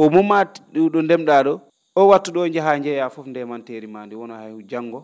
au moment ti ?o ndem-?aa ?oo oon wattu ?o njahaa njeeyaa fof ndeemanteeri maa ndii wona hay janggo